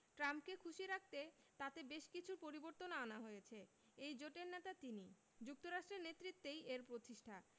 ট্রাম্পকে খুশি রাখতে তাতে বেশ কিছু পরিবর্তনও আনা হয়েছে এই জোটের নেতা তিনি যুক্তরাষ্ট্রের নেতৃত্বেই এর প্রতিষ্ঠা